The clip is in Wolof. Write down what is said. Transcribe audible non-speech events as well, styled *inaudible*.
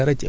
*hesitation* *hesitation*